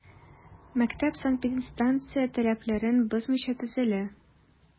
Мәктәп санэпидстанция таләпләрен бозмыйча төзелә.